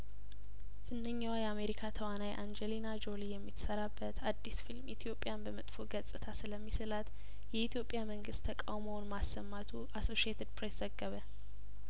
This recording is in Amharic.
ዝነኛዋ የአሜሪካ ተዋናይ አንጀ ሊና ጆሊ የምትሰራበት አዲስ ፊልም ኢትዮጵያን በመጥፎ ገጽታ ስለሚ ስላት የኢትዮጵያ መንግስት ተቃውሞውን ማሰማቱ አሶሽየትድ ፕሬስ ዘገበ